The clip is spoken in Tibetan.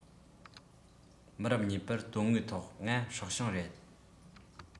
མི རབས གཉིས པར དོན དངོས ཐོག ང སྲོག ཤིང རེད